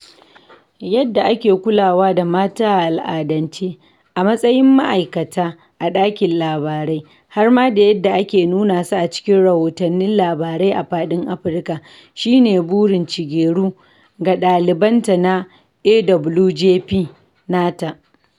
Yadda ake kulawa da mata a al'adance— a matsayin ma’aikata a ɗakin labarai, har ma da yadda ake nuna su a cikin rahotannin labarai a fadin Afirka — shi ne burin Gicheru ga daliban ta na AWJP nata.